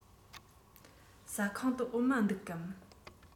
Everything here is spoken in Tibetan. ཟ ཁང དུ འོ མ འདུག གམ